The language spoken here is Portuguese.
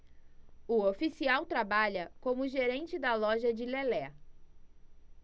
o oficial trabalha como gerente da loja de lelé